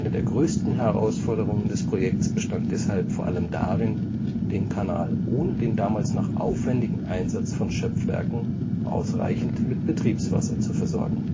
der größten Herausforderungen des Projektes bestand deshalb vor allem darin, den Kanal ohne den damals noch aufwendigen Einsatz von Schöpfwerken ausreichend mit Betriebswasser zu versorgen